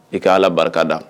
I ka ala barika da